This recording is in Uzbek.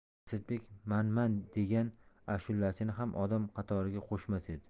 asadbek man man degan ashulachini ham odam qatoriga qo'shmas edi